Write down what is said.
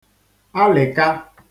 alị̀ka